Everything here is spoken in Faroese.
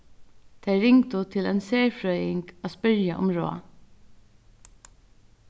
tey ringdu til ein serfrøðing at spyrja um ráð